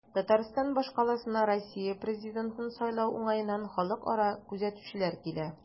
Татарстан башкаласына Россия президентын сайлау уңаеннан халыкара күзәтүчеләр килә.